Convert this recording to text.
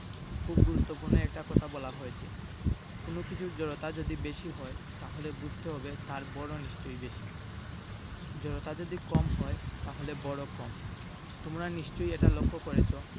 খুব গুরুত্বপূর্ণ একটা কথা বলা হয়েছে কোনো কিছুর জড়তা যদি বেশি হয় তাহলে বুঝতে হবে তার ভরও নিশ্চয়ই বেশি জড়তা যদি কম হয় তাহলে ভরও কম তোমরা নিশ্চয়ই এটা লক্ষ করেছ